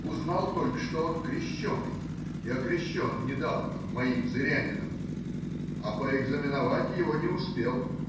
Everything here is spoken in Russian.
Узнал только, что он крещеный, и окрещен недавно моим зырянином, а поэкзаменовать его не успел.